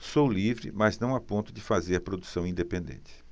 sou livre mas não a ponto de fazer produção independente